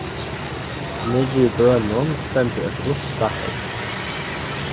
niðri í bønum stendur eitt rustað hegn